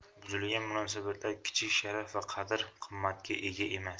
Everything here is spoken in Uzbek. buzilgan munosabatlar kichik sharaf va qadr qimmatga ega emas